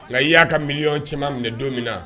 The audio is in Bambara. Nka i y'a ka miiriɔn cɛman minɛ don min na